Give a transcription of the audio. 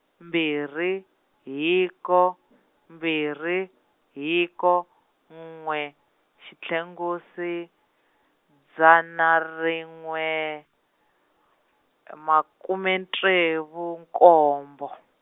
mbirhi hiko mbirhi hiko n'we xitlhekusi, dzana rin'we, makume ntsevu nkombo.